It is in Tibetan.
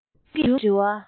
རང བྱུང གི འདྲི བ